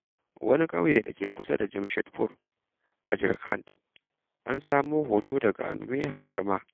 Wani ƙauye da ke kusa da Jamshedpur a Jharkhand. An samo hoto daga Anumeha Verma